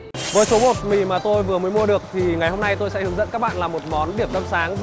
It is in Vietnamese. với số bột mì mà tôi vừa mới mua được thì ngày hôm nay tôi sẽ hướng dẫn các bạn làm một món điểm tâm sáng